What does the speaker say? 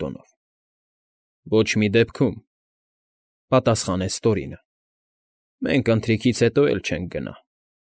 Տոնով։ ֊ Ոչ մի դեպքում, ֊ պատասխանեց Տորինը։ ֊ Մենք ընթրիքից հետո էլ չենք գնա։